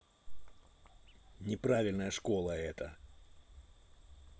неправильная школа это